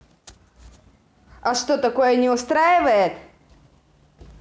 а что такое не устраивает